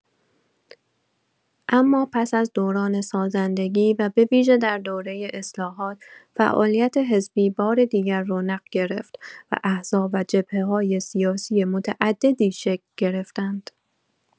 اما پس از دوران سازندگی و به‌ویژه در دوره اصلاحات، فعالیت حزبی بار دیگر رونق گرفت و احزاب و جبهه‌های سیاسی متعددی شکل گرفتند.